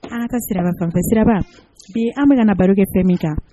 An ka sira sira bi an bɛ barokɛ pe min ta